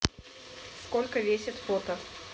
сколько весит фото